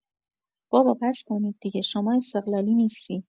بابا بسه کنید دیگه شما استقلالی نیستی.